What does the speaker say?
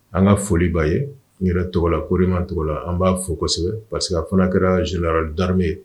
An ŋa foli b'a ye n yɛrɛ tɔgɔ la Korima Togola an b'a fo kosɛbɛ parce que a fana kɛra géneral d'armée ye